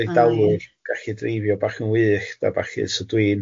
Eidalwr... Oh ie. ...gallu dreifio bach yn wyllt a ballu so dwi'n